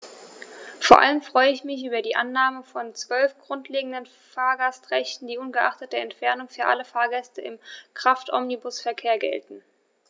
Vor allem freue ich mich über die Annahme von 12 grundlegenden Fahrgastrechten, die ungeachtet der Entfernung für alle Fahrgäste im Kraftomnibusverkehr gelten.